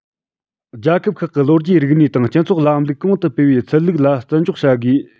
རྒྱལ ཁབ ཁག གི ལོ རྒྱུས རིག གནས དང སྤྱི ཚོགས ཀྱི ལམ ལུགས གོང དུ སྤེལ བའི ཚུལ ལུགས ལ བརྩི འཇོག བྱ དགོས